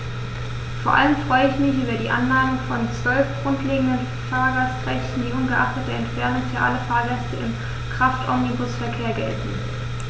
Vor allem freue ich mich über die Annahme von 12 grundlegenden Fahrgastrechten, die ungeachtet der Entfernung für alle Fahrgäste im Kraftomnibusverkehr gelten.